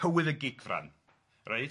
...cywydd y gigfran, reit?